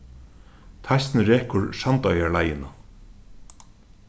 teistin rekur sandoyarleiðina